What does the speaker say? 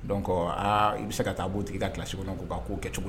Dɔn aa i bɛ se ka taa bɔo tigi da kilasi kɔnɔ kan' k'o kɛ cogo